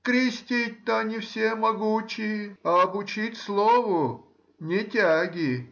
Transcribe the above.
Крестить-то они все могучи, а обучить слову нетяги.